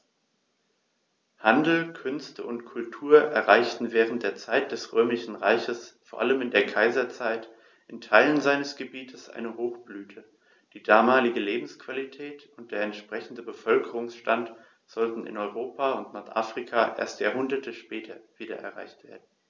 Handel, Künste und Kultur erreichten während der Zeit des Römischen Reiches, vor allem in der Kaiserzeit, in Teilen seines Gebietes eine Hochblüte, die damalige Lebensqualität und der entsprechende Bevölkerungsstand sollten in Europa und Nordafrika erst Jahrhunderte später wieder erreicht werden.